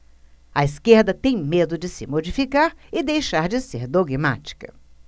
a esquerda tem medo de se modificar e deixar de ser dogmática